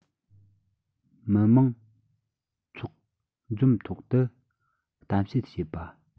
མི མང ཚོགས འཛོམས ཐོག ཏུ གཏམ བཤད བྱས པ